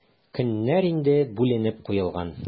Көннәр инде бүленеп куелган.